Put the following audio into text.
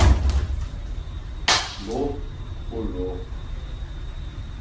lop og rop